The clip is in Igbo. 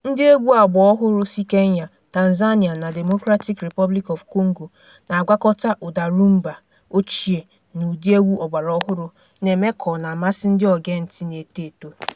Ndịegwu àgbà ọhụrụ si Kenya, Tanzania na Democratic Republic of Congo na-agwakọta ụda Rhumba ochie na ụdị egwu ọgbaraọhụrụ, na-eme ka ọ na-amasị ndị ogeentị na-eto eto.